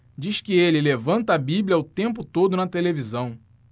diz que ele levanta a bíblia o tempo todo na televisão